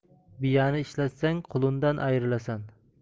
biyani ishlatsang qulundan ayrilasan